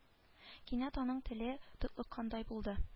Кинәт аның теле тотлыккандай булды